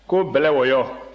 ko bɛlɛwɔyɔ